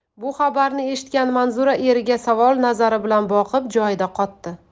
bu xabarni eshitgan manzura eriga savol nazari bilan boqib joyida qotdi